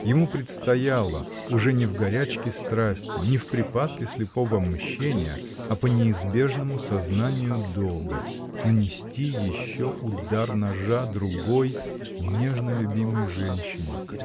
Ему предстояло — уже не в горячке страсти, не в припадке слепого мщения, а по неизбежному сознанию долга — нанести еще удар ножа другой нежно любимой женщине!